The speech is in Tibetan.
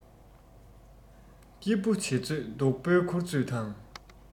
སྐྱིད པོ བྱེད ཚོད སྡུག པོའི འཁུར ཚོད དང